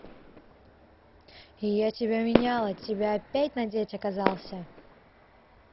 я тебя меняла тебя опять надеть оказался